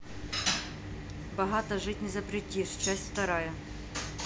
богато жить не запретишь часть вторая